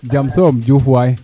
jam soom Diouf waay